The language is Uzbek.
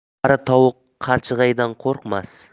qari tovuq qarchig'aydan qo'rqmas